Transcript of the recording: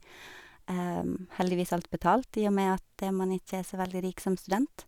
Heldigvis alt betalt, i og med at man ikke er så veldig rik som student.